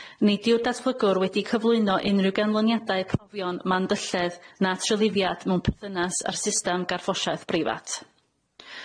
Nid yw'r datblygwr wedi cyflwyno unrhyw ganlyniadau profion mandylledd na tryliddiad mewn perthynas â'r system garffosiaeth breifat.